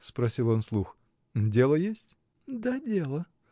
— спросил он вслух, — дело есть? — Да, дело!